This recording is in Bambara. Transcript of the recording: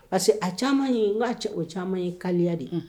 Parce que a caman n o caman ye kaliya de ye